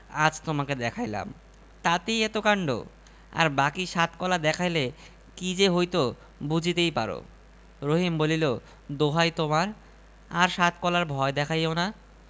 সে মাথা নীচু করিয়া ভাত খাইতে আরম্ভ করিল পাখার বাতাস করিতে করিতে বউ বলিল দেখ আমরা মেয়ে জাত আট কলা বিদ্যা জানি তার ই এক কলা